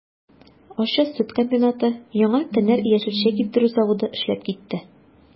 Арча сөт комбинаты, Яңа кенәр яшелчә киптерү заводы эшләп китте.